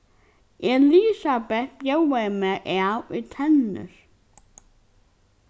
elisabet bjóðaði mær av í tennis